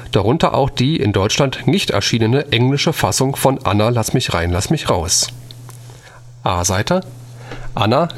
darunter auch die in Deutschland nicht erschienene englische Fassung von Anna – Lassmichrein Lassmichraus: A-Seite Anna